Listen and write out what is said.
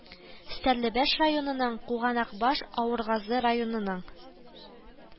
Стәрлебаш районының Куганакбаш, Авыргазы районының